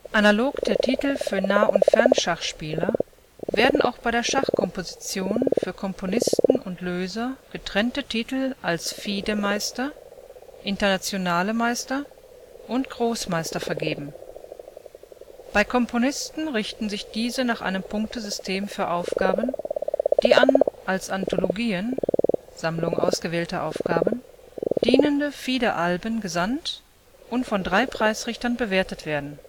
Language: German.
Analog der Titel für Nah - und Fernschachspieler werden auch bei der Schachkomposition für Komponisten und Löser getrennte Titel als FIDE-Meister, Internationale Meister und Großmeister vergeben. Bei Komponisten richten sich diese nach einem Punktesystem für Aufgaben, die an als Anthologien (Sammlungen ausgewählter Aufgaben) dienende FIDE-Alben gesandt und von drei Preisrichtern bewertet werden